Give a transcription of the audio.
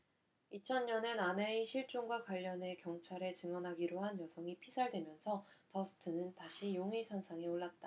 이천 년엔 아내의 실종과 관련해 경찰에 증언하기로 한 여성이 피살되면서 더스트는 다시 용의선상에 올랐다